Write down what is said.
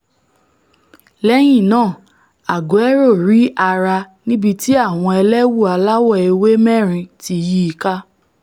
Lẹ́yìn náà Aguero rí ara níbití àwọn ẹlẹ́wù aláwọ̀ ewé mẹ́rin ti yìí ká.